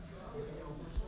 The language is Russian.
индийское кино храм любви